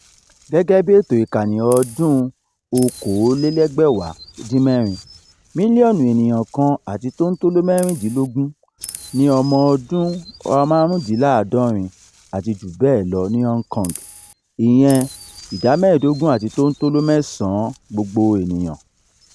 Gẹ́gẹ́ bí ètò ìkànìyàn ọdún-un 2016, mílíọ̀nù èèyàn 1.16 million ni ọmọ ọdún 65 àti jù bẹ́ẹ̀ lọ ní Hong Kong— ìyẹn 15.9 ìdá gbogbo ènìyàn.